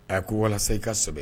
A ko walasa i ka kosɛbɛ